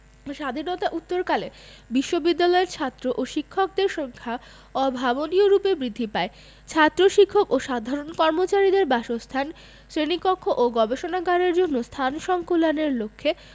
স্বাধীনতা উত্তরকালে বিশ্ববিদ্যালয়ের ছাত্র ও শিক্ষকদের সংখ্যা অভাবনীয়রূপে বৃদ্ধি পায় ছাত্র শিক্ষক ও সাধারণ কর্মচারীদের বাসস্থান শ্রেণীকক্ষ ও গবেষণাগারের জন্য স্থান সংকুলানের লক্ষ্যে